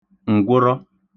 ǹgwụrọ